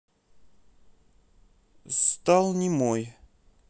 стал немой